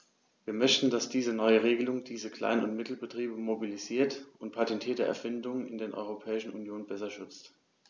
Wir möchten, dass diese neue Regelung diese Klein- und Mittelbetriebe mobilisiert und patentierte Erfindungen in der Europäischen Union besser schützt.